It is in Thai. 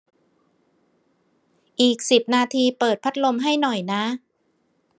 อีกสิบนาทีเปิดพัดลมให้หน่อยนะ